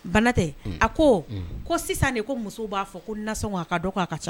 Banatɛ a ko ko sisan de ko musow b'a fɔ ko nasɔn ka dɔn'a ka ca